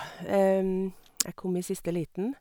Jeg kom i siste liten.